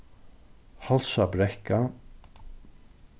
hálsabrekka